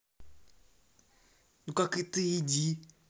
ну как ты иди